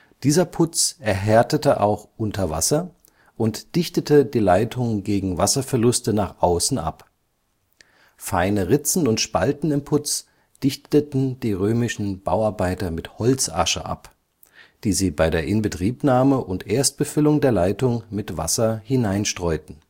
Dieser Putz erhärtete auch unter Wasser und dichtete die Leitung gegen Wasserverluste nach außen ab. Feine Ritzen und Spalten im Putz dichteten die römischen Bauarbeiter mit Holzasche ab, die sie bei der Inbetriebnahme und Erstbefüllung der Leitung mit Wasser hineinstreuten